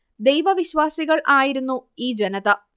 ദൈവ വിശ്വാസികൾ ആയിരുന്നു ഈ ജനത